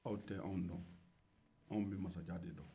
anw tɛ aw dɔn anw bɛ masajan dɔn